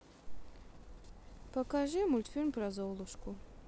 покажи мультфильм про золушку